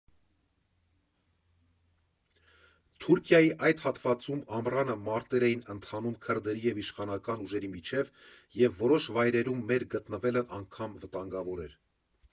Թուրքիայի այդ հատվածում ամռանը մարտեր էին ընթանում քրդերի և իշխանական ուժերի միջև և որոշ վայրերում մեր գտնվելն անգամ վտանգավոր էր։